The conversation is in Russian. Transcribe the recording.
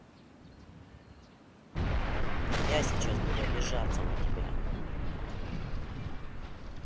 а я сейчас буду обижаться на тебя